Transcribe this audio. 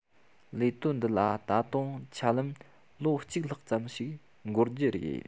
ལས དོན འདི ལ ད དུང ཆ ལམ ལོ གཅིག ལྷག ཙམ ཞིག འགོར གྱི རེད